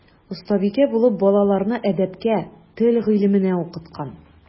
Остабикә булып балаларны әдәпкә, тел гыйлеменә укыткан.